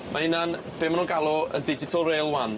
Ma' hynna'n be' ma' nw'n galw yn digital rail 'wan.